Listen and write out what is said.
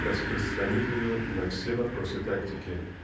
распространив ее на все вопросы тактики.